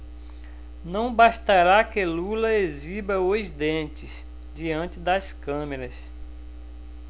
não bastará que lula exiba os dentes diante das câmeras